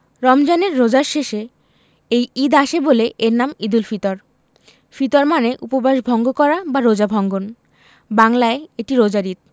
রমজানের রোজার শেষে এই ঈদ আসে বলে এর নাম ঈদুল ফিতর ফিতর মানে উপবাস ভঙ্গ করা বা রোজা ভঙ্গন বাংলায় এটি রোজার ঈদ